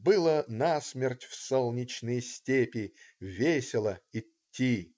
Было на смерть в солнечные степи Весело идти.